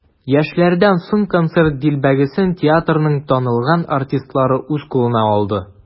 Яшьләрдән соң концерт дилбегәсен театрның танылган артистлары үз кулына алды.